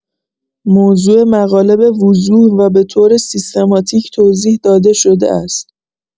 موضوع مقاله به‌وضوح و به‌طور سیستماتیک توضیح داده شده است.